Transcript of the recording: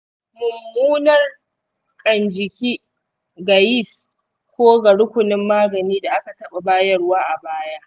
mummunar ƙan-jiki ga yis ko ga rukunin magani da aka taɓa bayarwa a baya.